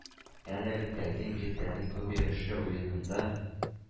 Әлеге тәкъдим Гитлерның күп йөрешле уенында,